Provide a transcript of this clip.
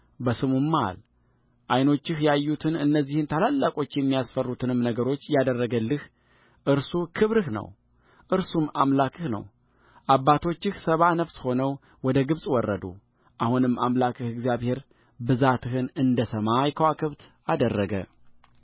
በስሙም ማል ዓይኖችህ ያዩትን እነዚህን ታላላቆች የሚያስፈሩትንም ነገሮች ያደረገልህ እርሱ ክብርህ ነው እርሱም አምላክህ ነው አባቶችህ ሰባ ነፍስ ሆነው ወደ ግብፅ ወረዱ አሁንም አምላክህ እግዚአብሔር ብዛትህን እንደ ሰማይ ከዋክብት አደረገ